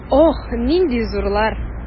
Ох, нинди зурлар!